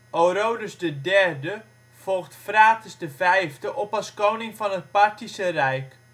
Orodes III (4 - 7) volgt Phraates V op als koning van het Parthische Rijk